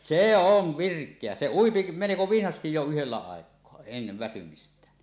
se on virkeä se ui melko vinhasti jo yhdellä aikaa ennen väsymistään